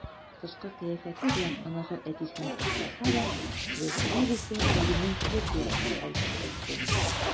Тышкы кыяфәте белән оныгы әтисенә охшаса да, Вәсилә безгә үзенең копиясен калдырып китте.